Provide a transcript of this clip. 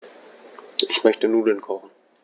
Ich möchte Nudeln kochen.